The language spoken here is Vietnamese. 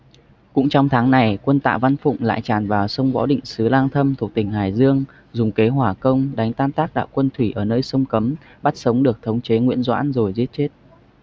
cũng trong tháng này quân tạ văn phụng lại tràn vào sông võ định xứ lang thâm thuộc tỉnh hải dương dùng kế hỏa công đánh tan tác đạo quân thủy ở nơi sông cấm bắt sống được thống chế nguyễn doãn rồi giết chết